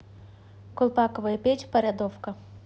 колпаковая печь порядовка